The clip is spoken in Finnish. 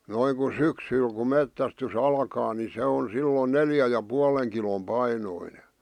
noin kun syksyllä kun metsästys alkaa niin se on silloin neljän ja puolen kilon painoinen